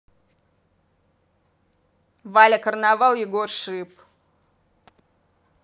валя карнавал егор шип